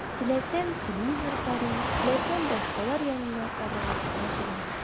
Теләсәм – телевизор карыйм, теләсәм – башкалар янына аралашырга чыгам.